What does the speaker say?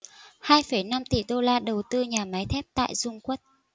hai phẩy năm tỷ đô la đầu tư nhà máy thép tại dung quất